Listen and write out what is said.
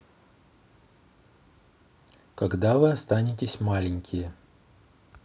когда вы останетесь маленькие